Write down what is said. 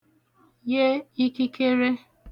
ye ikikere